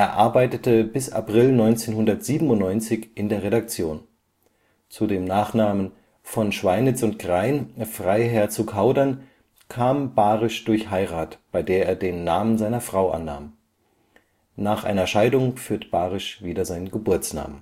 arbeitete bis April 1997 in der Redaktion. Zu dem Namen „ von Schweinitz und Krain, Freiherr zu Kaudern “kam Barysch durch Heirat, bei der er den Namen seiner Frau annahm. Nach einer Scheidung führt Barysch wieder seinen Geburtsnamen